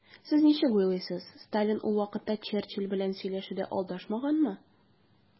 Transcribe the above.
Сез ничек уйлыйсыз, Сталин ул вакытта Черчилль белән сөйләшүдә алдашмаганмы?